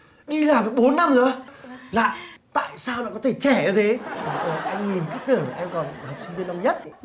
đi làm được bốn năm rồi á lạ tại sao lại có thể trẻ như thế anh nhìn cứ tưởng em còn học sinh viên năm nhất